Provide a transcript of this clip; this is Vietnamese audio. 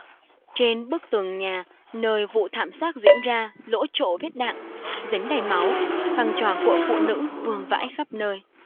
trên bức tường nhà nơi vụ thảm sát diễn ra lỗ chỗ vết đạn dính đầy máu khăn choàng của phụ nữ vương vãi khắp nơi